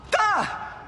Da!